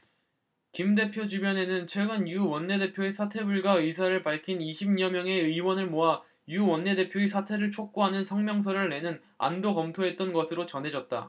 김 대표 주변에선 최근 유 원내대표의 사퇴 불가 의사를 밝힌 이십 여 명의 의원을 모아 유 원내대표의 사퇴를 촉구하는 성명서를 내는 안도 검토했던 것으로 전해졌다